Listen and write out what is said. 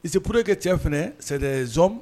Isi poroure kɛ cɛ fana sɛɛrɛson